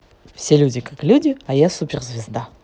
все люди как люди а я суперзвезда